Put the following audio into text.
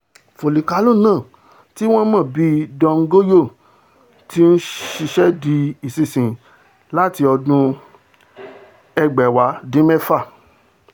Fòlìkánò náà tí wọ́n mọ̀ bíi ''Don Goyo'' ti ń ṣiṣé di ìsinsìnyí láti ọdún 1994.